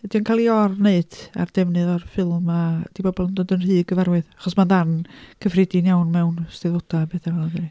Ydy'n cael ei or-wneud a'r ddefnydd o'r ffilm a ydy pobl yn dod yn rhy gyfarwydd? Achos mae'n darn cyffredin iawn mewn 'Steddfodau a pethau fel 'na dydy?